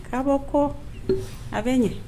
K'a bɔ ko a bɛ ɲɛ